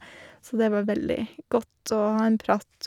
Så det var veldig godt å ha en prat.